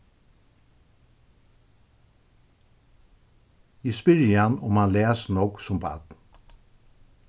eg spyrji hann um hann las nógv sum barn